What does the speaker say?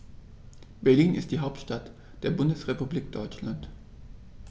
Berlin ist die Hauptstadt der Bundesrepublik Deutschland.